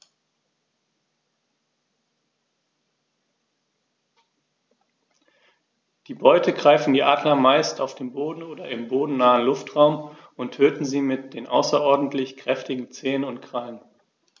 Die Beute greifen die Adler meist auf dem Boden oder im bodennahen Luftraum und töten sie mit den außerordentlich kräftigen Zehen und Krallen.